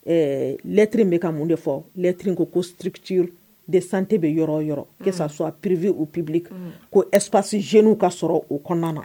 Ɛɛ lɛtri bɛ ka mun de fɔ lɛtri ko ko siriti de sante bɛ yɔrɔ yɔrɔ ke su a ppiiribi u ppbi kan ko espsi zyniw ka sɔrɔ u kɔnɔna na